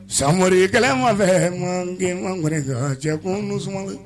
Samori kɛlɛ ma fɛɛ cɛkun dun sumalen